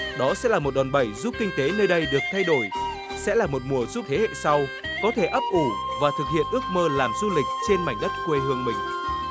đó sẽ là một đòn bẩy giúp kinh tế nơi đây được thay đổi sẽ là một mùa giúp thế hệ sau có thể ấp ủ và thực hiện ước mơ làm du lịch trên mảnh đất quê hương mình